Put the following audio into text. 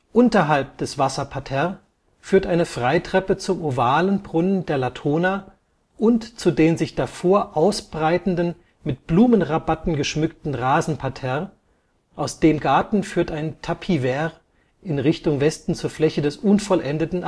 Unterhalb des Wasserparterres führt eine Freitreppe zum ovalen Brunnen der Latona und zu den sich davor ausbreitenden, mit Blumenrabatten geschmückten Rasenparterres, aus dem Garten führt ein Tapis vert in Richtung Westen zur Fläche des unvollendeten